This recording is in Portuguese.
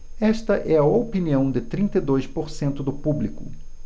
esta é a opinião de trinta e dois por cento do público